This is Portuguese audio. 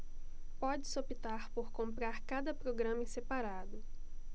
pode-se optar por comprar cada programa em separado